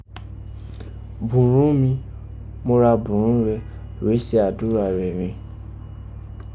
Bù ghún mi, mo ra bù ghún rẹ rèé se àdúrà rẹ rin.